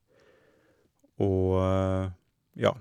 Og, ja.